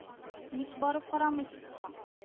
— ник барып карамыйсыз соң